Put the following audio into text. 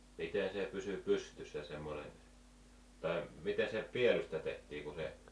miten se pysyi pystyssä semmoinen tai miten se päällystä tehtiin kun se -